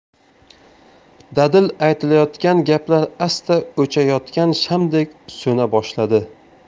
dadil aytilayotgan gaplar asta o'chayotgan shamdek so'na boshladi